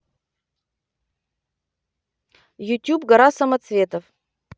ютуб гора самоцветов